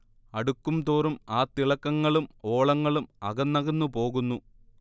അടുക്കുംതോറും ആ തിളക്കങ്ങളും ഓളങ്ങളും അകന്നകന്നു പോകുന്നു